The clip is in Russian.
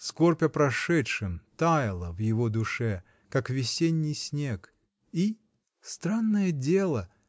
скорбь о прошедшем таяла в его душе, как весенний снег, и -- странное дело!